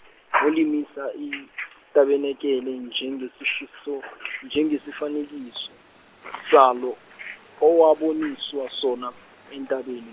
wolimisa iTabanakele njengesifanekiso njengesifanekiso salo owaboniswa sona entabeni.